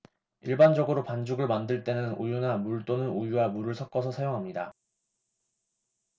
일반적으로 반죽을 만들 때는 우유나 물 또는 우유와 물을 섞어서 사용합니다